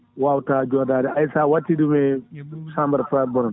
wawata joɗade hay sa watti ɗum e chambre *